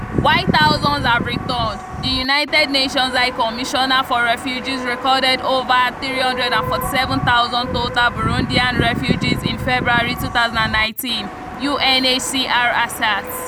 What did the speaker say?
While thousands have returned, the United Nations High Commissioner for Refugees recorded over 347,000 total Burundian refugees in February 2019 UNHCR asserts: